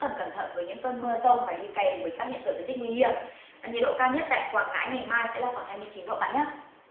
cần cẩn thận với những cơn mưa giông và đi kèm với các hiện tượng thời tiết nguy hiểm à nhiệt độ cao nhất tại quảng ngãi ngày mai sẽ là khoảng hai mươi chín độ bạn nhớ